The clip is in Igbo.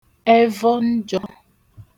ẹvọ njọ̄